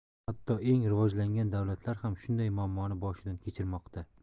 hatto eng rivojlangan davlatlar ham shunday muammoni boshidan kechirmoqda